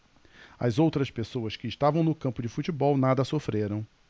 as outras pessoas que estavam no campo de futebol nada sofreram